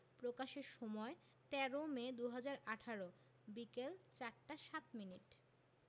প্রকাশের সময় ১৩মে ২০১৮ বিকেল ৪ টা ০৭ মিনিট